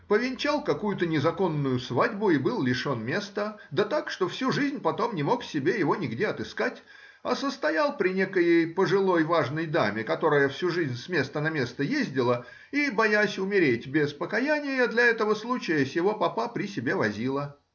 повенчал какую-то незаконную свадьбу и был лишен места, да так, что всю жизнь потом не мог себе его нигде отыскать, а состоял при некоей пожилой важной даме, которая всю жизнь с места на место ездила и, боясь умереть без покаяния, для этого случая сего попа при себе возила.